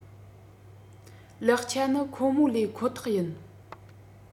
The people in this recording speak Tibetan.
ལེགས ཆ ནི ཁོ མོ ལས ཁོ ཐག ཡིན